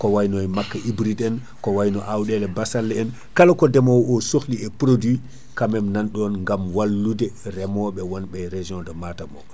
ko wayno maaka hybride en ko wayno awɗele bassalle en kala ko deemowo o sohli e produit kamen kam nanɗon gam wallude reemoɓe wonɓe e région de Matam o